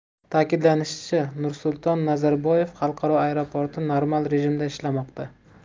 ta'kidlanishicha nursulton nazarboyev xalqaro aeroporti normal rejimda ishlamoqda